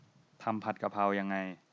ทำผัดกะเพรายังไง